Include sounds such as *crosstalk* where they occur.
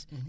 *hesitation* *hesitation*